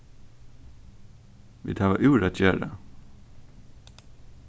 vit hava úr at gera